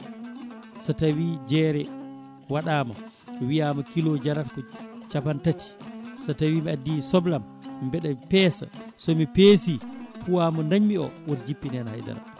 so tawi jeere waɗama wiyama kilo jarata ko capan tati so tawi mi addi soblam mbeɗa peesa somi peesi poids mo dañmi o woto jippin hen hayadara